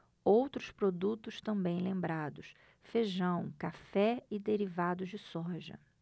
outros produtos também lembrados feijão café e derivados de soja